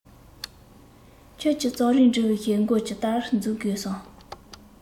ཁྱོད ཀྱིས རྩོམ ཡིག འབྲི བའི མགོ ཇི ལྟར འཛུགས དགོས སམ